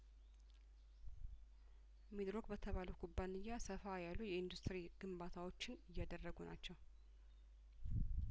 ሚድሮክ በተባለ ኩባንያ ሰፋ ያሉ የኢንዱስትሪ ግምባታዎችን እያደረጉ ናቸው